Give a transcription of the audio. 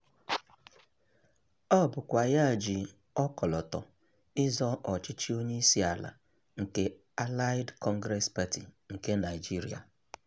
Ọ bụkwa ya ji ọkọlọtọ ịzọ ọchịchị onyeisiala nke Allied Congress Party nke Nigeria.